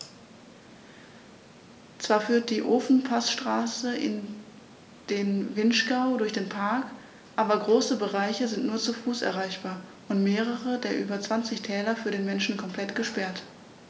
Zwar führt die Ofenpassstraße in den Vinschgau durch den Park, aber große Bereiche sind nur zu Fuß erreichbar und mehrere der über 20 Täler für den Menschen komplett gesperrt.